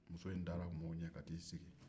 muso in taara mɔɔw ɲɛ ka t'i sigi